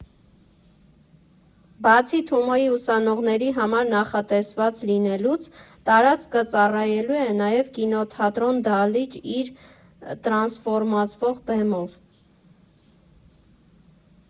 Բացի Թումոյի ուսանողների համար նախատեսված լինելուց, տարածքը ծառայելու է նաև կինոթատրոն֊դահլիճ իր տրանսֆորմացվող բեմով։